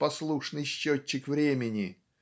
послушный счетчик времени